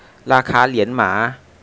ราคาเหรียญหมา